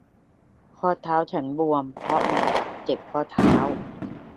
ข้อเท้าฉับบวมเพราะมาจากเจ็บข้อเท้า